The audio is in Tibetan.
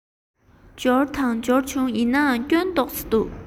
འབྱོར ད འབྱོར བྱུང ཡིན ནའི སྐྱོན ཏོག ཙམ འདུག